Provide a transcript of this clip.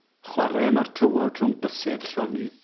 Chwarem ar tywod rhwng bysedd llonydd.